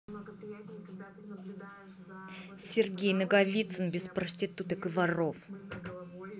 сергей наговицын без проституток и воров